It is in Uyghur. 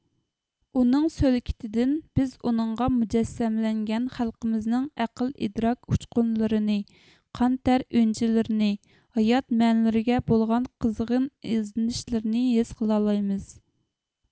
ئۇنىڭ سۆلكىتىدىن بىز ئۇنىڭغا مۇجەسسەملەنگەن خەلقىمىزنىڭ ئەقىل ئىدراك ئۇچقۇنلىرىنى قان تەر ئۈنچىلىرىنى ھايات مەنىلىرىگە بولغان قىزغىن ئىزدىنىشلىرىنى ھېس قىلالايمىز